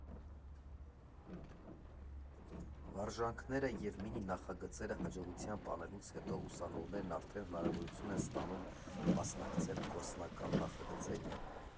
Վարժանքները և մինի֊նախագծերը հաջողությամբ անելուց հետո ուսանողներն արդեն հնարավորություն են ստանում մասնակցել գործնական նախագծերին։